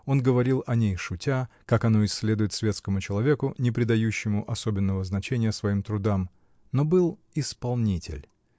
он говорил о ней шутя, как оно и следует светскому человеку, не придающему особенного значения своим трудам, но был "исполнитель".